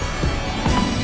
ạ